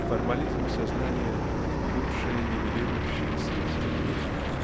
Формализм сознания -- лучшее нивелирующее средство в мире.